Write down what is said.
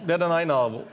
det er den eine arven.